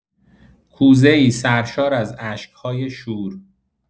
کوزه‌ای سرشار از اشک‌های شور